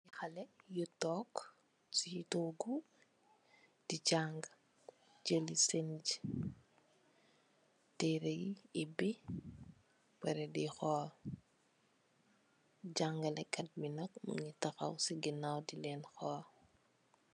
Haley yu toog ci toogu di jàng, jël senn tereeh yi ubi parè di hool. Jàngalekat bi nak mungi tahaw ci ganaaw di leen hool.